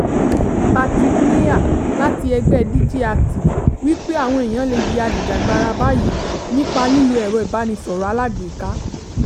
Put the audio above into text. Patrick Meier, láti ẹgbẹ́ DigiActive, wí pé àwọn èèyàn lè di ajìjàgbara báyìí nípa lílo ẹ̀rọ ìbánisọ̀rọ̀ alágbèéká.